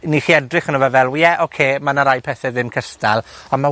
ni 'lly edrych ano fe fel w- ie oce, ma' 'na rai pethe ddim cystal, ond ma'